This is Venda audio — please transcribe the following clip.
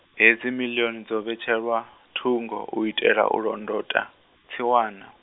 hedzi miḽioni dzo vhetshelwa, thungo u itela u londota, tsiwana.